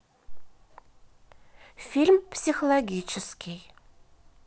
фильм психологический